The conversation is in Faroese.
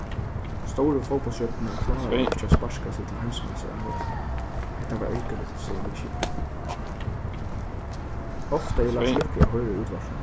stóru fótbóltsstjørnurnar kláraðu ikki at sparka seg til heimsmeistaraheitið hetta var ergiligt segði liðskiparin ofta er lars løkke at hoyra í útvarpinum